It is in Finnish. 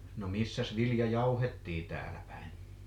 no missäs vilja jauhettiin täällä päin